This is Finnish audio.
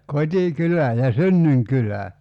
kotikylä ja synnyinkylä